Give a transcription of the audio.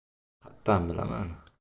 qattan bilaman